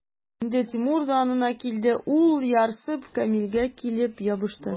Инде Тимур да аңына килде, ул, ярсып, Камилгә килеп ябышты.